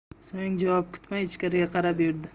so'ng javob kutmay ichkariga qarab yurdi